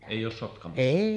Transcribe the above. ei ole Sotkamossa